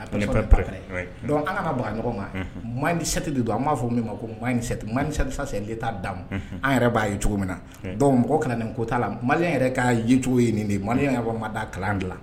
A pp pa dɔnku an ka bɔ ɲɔgɔn kan masɛteti de don an b'a fɔo min ma ko mati man sa selili t'mu an yɛrɛ b'a ye cogo min na mɔgɔ kana nin ko' la mali yɛrɛ ka yecogo ye nin de mali yɛrɛ ma d kalan dilan